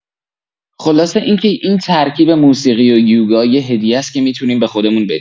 خلاصه اینکه این ترکیب موسیقی و یوگا یه هدیه‌ست که می‌تونیم به خودمون بدیم.